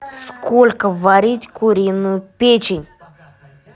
сколько варить куриную печень